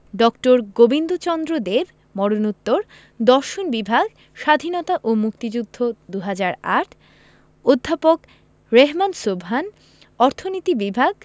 ড. গোবিন্দচন্দ্র দেব মরনোত্তর দর্শন বিভাগ স্বাধীনতা ও মুক্তিযুদ্ধ ২০০৮ অধ্যাপক রেহমান সোবহান অর্থনীতি বিভাগ